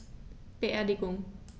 Beerdigung